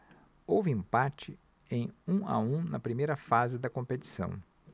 houve empate em um a um na primeira fase da competição